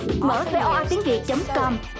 mở vê o a tiếng việt chấm com